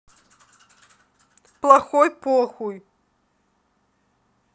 плохой похуй